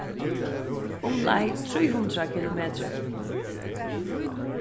umleið trý hundrað kilometrar